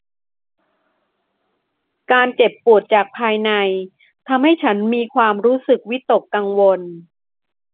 การเจ็บปวดจากภายในทำให้ฉันมีความรู้สึกวิตกกังวล